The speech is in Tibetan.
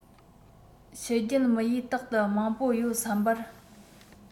ཕྱི རྒྱལ མི ཡིས རྟག ཏུ མང པོ ཡོད བསམ པར